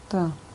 Do.